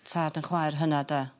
Tad 'yn chwaer hyna 'de.